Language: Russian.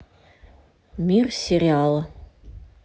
мир сериала